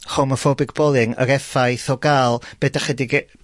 homophobic bullying ag effaith o ga'l be' 'dych chi 'di ge-